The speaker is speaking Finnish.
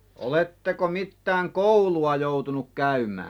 oletteko mitään koulua joutunut käymään